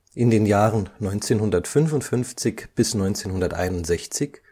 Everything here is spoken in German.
1955 – 1961